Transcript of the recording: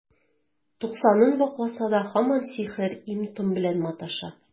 Туксанын вакласа да, һаман сихер, им-том белән маташа.